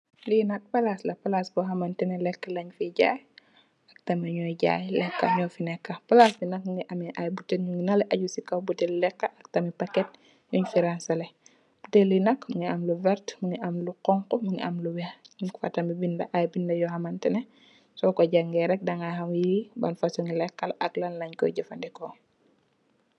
Lii nak palaas la, palaas bu xamtene lekk leej fay jaay, tem lunj jaay lekk nyo fi nekka, palaas bi nak mingi amne ay buteel, nyingi nala aju si kaw buteel lekk ak tamit nyun paket nyun fa ransele, buteel yi nak mingi am lo verta, mingi am lu xonxu, mingi am lu weex, nyun ko fa tamit binde ay binde yoo xamantene, so ku jange rek dey xam yi ban fasong lekk la ak lan leeny koy jandiko.